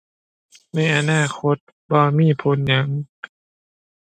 ในอนาคตบ่มีผลหยัง